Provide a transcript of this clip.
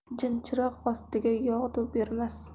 jinchiroq ostiga yog'du bermas